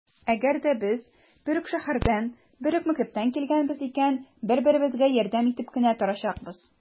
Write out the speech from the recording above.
Әгәр дә без бер үк шәһәрдән, бер мәктәптән килгәнбез икән, бер-беребезгә ярдәм итеп кенә торачакбыз.